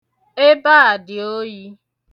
Ebe a dị oyi.